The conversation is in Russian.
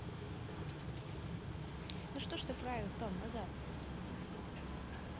ну что ж ты фрайер сдал назад